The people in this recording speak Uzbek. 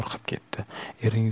qo'rqib ketdi